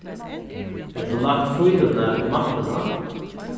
hevur tú lagt fílurnar í mappuna